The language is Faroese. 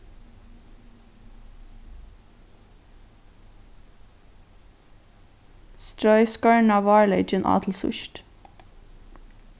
stroy skorna várleykin á til síðst